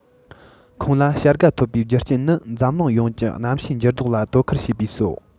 ཁོང ལ བྱ དགའ ཐོབ པའི རྒྱུ རྐྱེན ནི འཛམ གླིང ཡོངས ཀྱི གནམ གཤིས འགྱུར ལྡོག ལ དོ ཁུར བྱས པས སོ